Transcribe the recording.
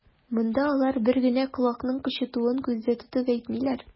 Монда алар бер генә колакның кычытуын күздә тотып әйтмиләр.